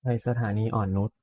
ไปสถานีอ่อนนุช